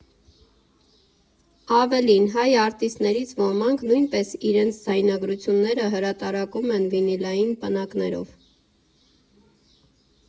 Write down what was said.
Ավելին, հայ արտիստներից ոմանք նույնպես իրենց ձայնագրությունները հրատարակում են վինիլային պնակներով։